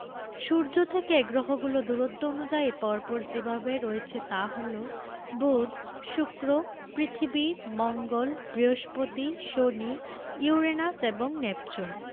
সূর্য থেকে গ্রহগুলো দূরত্ব অনুযায়ী পর পর যেভাবে রয়েছে তা হলো বুধ শুক্র পৃথিবী মঙ্গল বৃহস্পতি শনি ইউরেনাস এবং নেপচুন